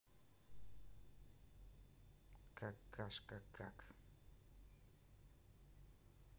какашка как